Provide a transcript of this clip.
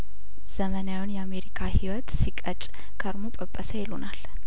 ዘመናዊውን የአምሪካ ሂዎት ሲቀጭ ከርሞ ጰጰሰ ይሉናል